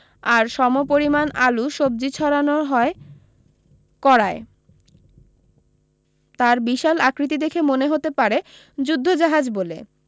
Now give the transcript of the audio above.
আর সমপরিমাণ আলু সবজি চড়ানো হয় কড়ায় তার বিশাল আকৃতি দেখে মনে হতে পারে যুদ্ধজাহাজ বলে